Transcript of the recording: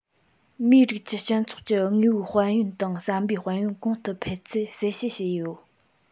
མིའི རིགས ཀྱི སྤྱི ཚོགས ཀྱི དངོས པོའི དཔལ ཡོན དང བསམ པའི དཔལ ཡོན གོང དུ འཕེལ ཚད གསལ བཤད བྱས ཡོད